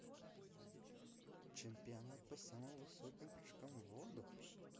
чемпионат по самым высоким прыжкам в воду